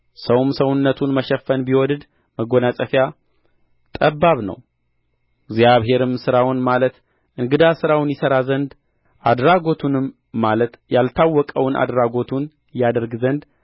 ሰውም ሰውነቱን መሸፈን ቢወድድ መጐናጸፊያ ጠባብ ነው እግዚአብሔርም ሥራውን ማለት እንግዳ ሥራውን ይሠራ ዘንድ አድራጎቱንም ማለት ያልታወቀውን አድራጎቱን ያደርግ ዘንድ